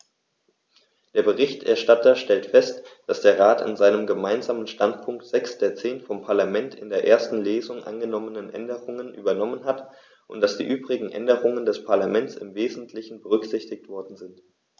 Der Berichterstatter stellte fest, dass der Rat in seinem Gemeinsamen Standpunkt sechs der zehn vom Parlament in der ersten Lesung angenommenen Änderungen übernommen hat und dass die übrigen Änderungen des Parlaments im wesentlichen berücksichtigt worden sind.